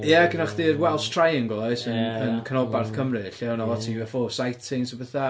Ia, gynna chdi'r Welsh Triangle, oes... ia ia... yn canolbarth Cymru... ie... lle oedd 'na lot o UFO sightings a petha